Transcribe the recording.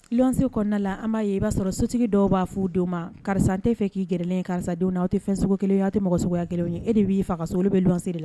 Lsi kɔnɔna an b'a i b'a sɔrɔ sotigi dɔw b'a fɔ don ma karisa tɛ fɛ k'i glen karisadenw na aw tɛ fɛso kelen ye aw tɛ mɔgɔsoya kelen ye e de b'i faga so bɛ siri de la